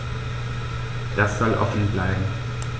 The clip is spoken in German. Das soll offen bleiben.